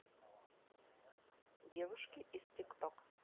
девушки из тик ток